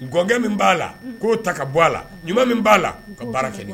Gkɛ min b'a la k'o ta ka bɔ a la ɲuman min b'a la ka baara kɛ